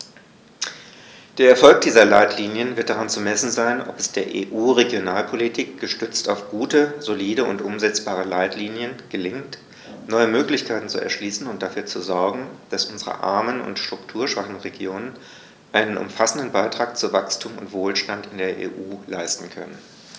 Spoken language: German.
Der Erfolg dieser Leitlinien wird daran zu messen sein, ob es der EU-Regionalpolitik, gestützt auf gute, solide und umsetzbare Leitlinien, gelingt, neue Möglichkeiten zu erschließen und dafür zu sorgen, dass unsere armen und strukturschwachen Regionen einen umfassenden Beitrag zu Wachstum und Wohlstand in der EU leisten können.